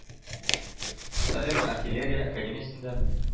Сталин Артиллерия академиясендә